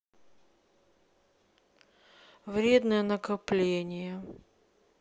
вредное наколение